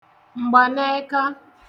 mgbanẹka